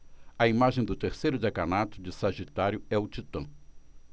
a imagem do terceiro decanato de sagitário é o titã